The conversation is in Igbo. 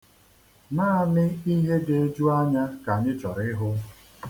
Naanị ihe ga-eju anya ka anyị chọrọ ịhụ.